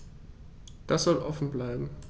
Das soll offen bleiben.